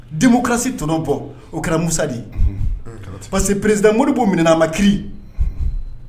Démocratie tɔnɔ bɔ o kɛra Musa de ye parce que président Modibo minɛ na a ma kiiri .